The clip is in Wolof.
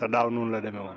te daaw noonu la demee woon